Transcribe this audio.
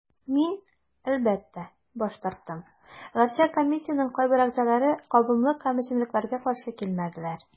Мин, әлбәттә, баш тарттым, гәрчә комиссиянең кайбер әгъзаләре кабымлык һәм эчемлекләргә каршы килмәделәр.